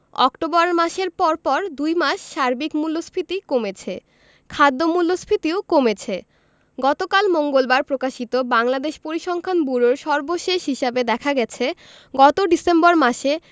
October মাসের পরপর দুই মাস সার্বিক মূল্যস্ফীতি কমেছে খাদ্য মূল্যস্ফীতিও কমেছে গতকাল মঙ্গলবার প্রকাশিত বাংলাদেশ পরিসংখ্যান ব্যুরোর সর্বশেষ হিসাবে দেখা গেছে গত ডিসেম্বর মাসে